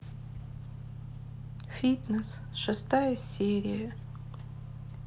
фитнес шестая серия